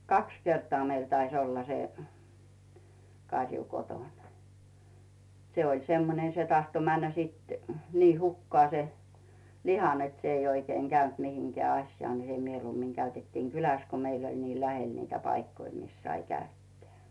kaksi kertaa meillä taisi olla se karju kotona se oli semmoinen se tahtoi mennä sitten niin hukkaan se liha että se ei oikein käynyt mihinkään asiaan niin se mieluummin käytettiin kylässä kun meillä oli niin lähellä niitä paikkoja missä sai käyttää